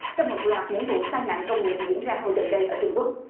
trong một loạt những vụ tai nạn công nghiệp diễn ra hồi gần đây ở trung quốc